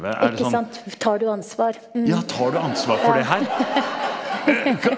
ikke sant, tar du ansvar ja ja.